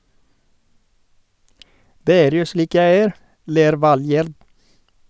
- Det er jo slik jeg er, ler Valgerd.